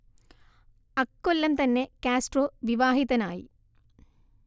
അക്കൊല്ലം തന്നെ കാസ്ട്രോ വിവാഹിതനായി